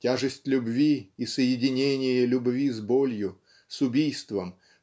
Тяжесть любви и соединение любви с болью с убийством